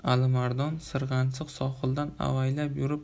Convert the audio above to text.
alimardon sirg'anchiq sohildan avaylab yurib